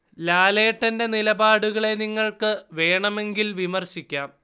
ലാലേട്ടന്റെ നിലപാടുകളെ നിങ്ങള്‍ക്ക് വേണമെങ്കില്‍ വിമർശിക്കാം